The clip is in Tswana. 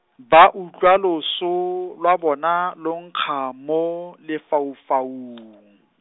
ba utlwa loso iwa bona lo nkga mo lefaufaung.